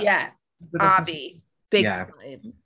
Ie a fi... ie...Big time.